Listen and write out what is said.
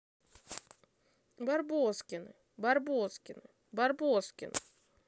барбоскины барбоскины барбоскины